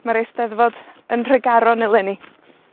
Mae'r Eisteddfod yn Nhregaron eleni.